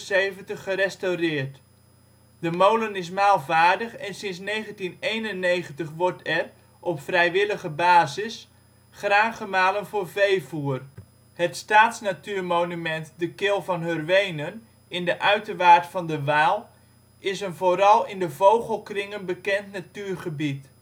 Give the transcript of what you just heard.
1975 gerestaureerd. De molen is maalvaardig en sinds 1991 wordt er (op vrijwillige basis) graan gemalen voor veevoer. Het staatsnatuurmonument de Kil van Hurwenen, in de uiterwaard van de Waal, is een vooral in vogelkringen bekend natuurgebied